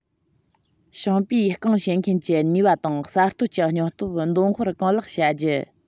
ཞིང པའི རྐང བྱེད མཁན གྱི ནུས པ དང གསར གཏོད ཀྱི སྙིང སྟོབས འདོན སྤེལ གང ལེགས བྱ རྒྱུ